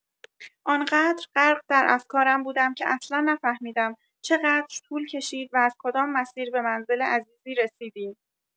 آنقدر غرق در افکارم بودم که اصلا نفهیمدم چه‌قدر طول کشید و از کدام مسیر به منزل عزیزی رسیدیم.